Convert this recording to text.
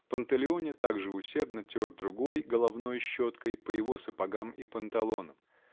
Панталеоне так же усердно тер другой -- головной щеткой -- по его сапогам и панталонам.